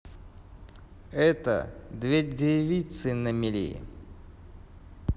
это две девицы на мели